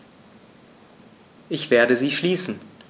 Ich werde sie schließen.